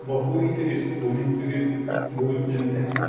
Гафу итегез, бу мин түгел, бу өземтә.